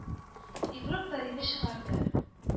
Ибрук пәрине чыгарды